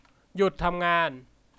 หยุดทำงาน